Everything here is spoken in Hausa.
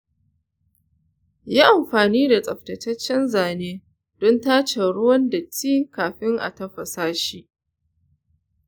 yi amfani da tsaftataccen zane don tace ruwan datti kafin a tafasa shi.